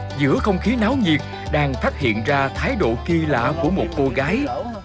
giữa không khí náo nhiệt đang phát hiện ra thái độ kỳ lạ của một cô gái